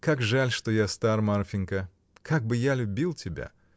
Как жаль, что я стар, Марфинька: как бы я любил тебя!